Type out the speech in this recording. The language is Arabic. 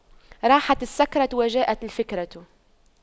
راحت السكرة وجاءت الفكرة